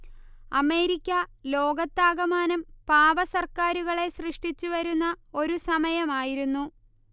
America ലോകത്താകമാനം പാവ സർക്കാരുകളെ സൃഷ്ടിച്ചു വരുന്ന ഒരു സമയമായിരുന്നു